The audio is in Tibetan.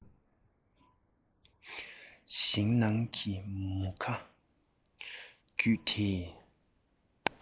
ཞིང ནང གི མུ ཁ བརྒྱུད དེ